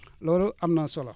loolu am na solo